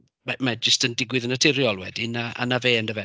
Ma' ma' e jyst yn digwydd yn naturiol wedyn a a 'na fe yn dyfe?